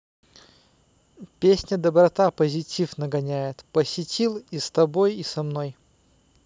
песня доброта позитив нагоняет посетил и с тобой и со мной